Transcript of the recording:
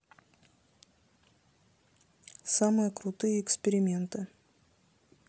самые крутые эксперименты